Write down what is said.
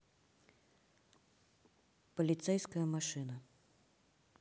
полицейская машина